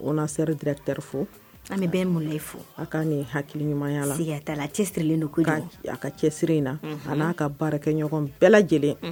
ONACER directeur fo an bɛ bɛɛ m'ule fo a kaa nin hakili ɲumaɲala sigataala a cɛ sirilen don kojugu ka c a ka cɛsiri in na a n'a ka baarakɛ ɲɔgɔn bɛɛ lajɛlen un